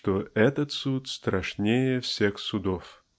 что "этот суд страшнее всех судов".